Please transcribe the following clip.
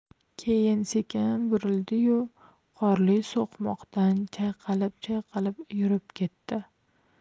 keyin sekin burildiyu qorli so'qmoqdan chayqalib chayqalib yurib ketdi